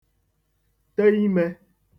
te ime